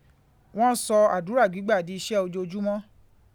Wọ́n sọ àdúrà gbígbà di iṣẹ́ ojoojúmọ́.